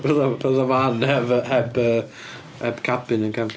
Fa- fatha fan heb, heb yy heb cabin yn cefn.